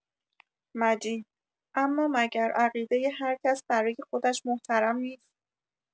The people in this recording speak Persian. مجید: اما مگر عقیدۀ هر کس برای خودش محترم نیست؟